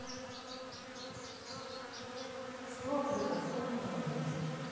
что приготовить на ужин